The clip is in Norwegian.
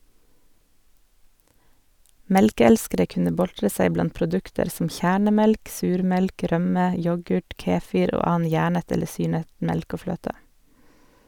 Melkeelskere kunne boltre seg blant produkter som kjernemelk, surmelk, rømme, yoghurt, kefir og annen gjærnet eller syrnet melk og fløte.